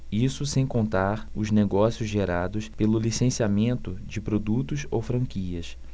isso sem contar os negócios gerados pelo licenciamento de produtos ou franquias